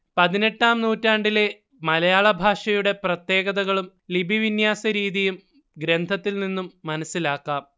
പതിനെട്ടാം നൂറ്റാണ്ടിലെ മലയാളഭാഷയുടെ പ്രത്യേകതകളും ലിപിവിന്യാസരീതിയും ഗ്രന്ഥത്തിൽനിന്നും മനസ്സിലാക്കാം